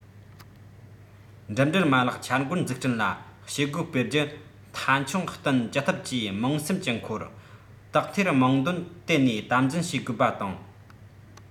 འགྲིམ འགྲུལ མ ལག འཆར འགོད འཛུགས སྐྲུན ལ བྱེད སྒོ སྤེལ རྒྱུ མཐའ འཁྱོངས བསྟུན ཅི ཐུབ ཀྱིས དམངས སེམས ཀྱི འཁོར དག ཐེར དམངས འདོད དེད ནས དམ འཛིན བྱེད དགོས པ དང